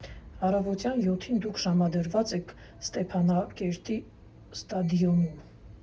Առավոտյան յոթին դուք ժամադրված եք Ստեփանակերտի ստադիոնում։